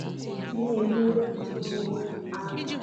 Etolitere m n'ugbo, na-enyere ndị mụrụ m aka.